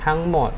ทั้งหมด